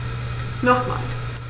Nochmal.